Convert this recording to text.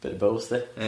Bit both ia?